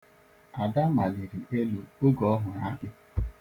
Ada maliri elu oge ọ hụrụ akpị.